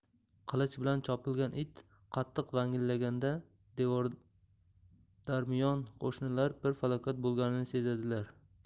qilich bilan chopilgan it qattiq vangillaganda devordarmiyon qo'shnilar bir falokat bo'lganini sezadilar